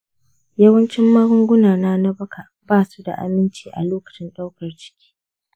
yawancin magunguna na baka ba su da aminci a lokacin daukar ciki.